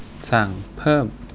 สั่งเพิ่ม